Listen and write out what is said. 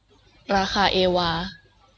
ราคาเอวา